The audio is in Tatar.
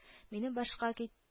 — минем башка кит